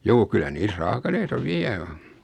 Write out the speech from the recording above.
juu kyllä niissä raakileita vielä on